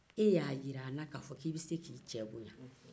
e y'a jiran an k'a fo k'i bɛ se k'i ce bonya